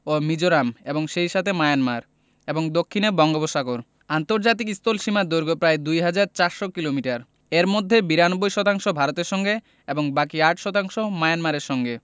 মিজোরাম এবং সেই সঙ্গে মায়ানমার এবং দক্ষিণে বঙ্গোপসাগর আন্তর্জাতিক স্থলসীমার দৈর্ঘ্য প্রায় ২হাজার ৪০০ কিলোমিটার এর মধ্যে ৯২ শতাংশ ভারতের সঙ্গে এবং বাকি ৮ শতাংশ মায়ানমারের সঙ্গে